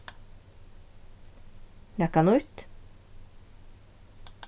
nakað nýtt